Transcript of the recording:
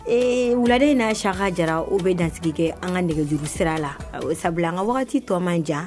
Ee wulalen' siga jara u bɛ nasigi kɛ an ka nɛgɛj sira la sabula an ka wagati tɔ man jan